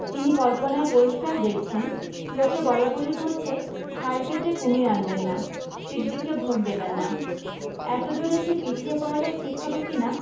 তিনি কল্পনায় পরিষ্কার দেখছেন লোকে বলাবলি করছে খাল কেটে কুমীর আনবেন না সিদ্দিককে ভোট দেবেন না এতদূর এসে পিছিয়ে পড়াটা ঠিক হবে কি না